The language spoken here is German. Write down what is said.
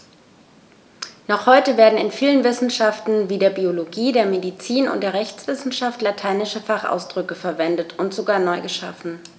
Noch heute werden in vielen Wissenschaften wie der Biologie, der Medizin und der Rechtswissenschaft lateinische Fachausdrücke verwendet und sogar neu geschaffen.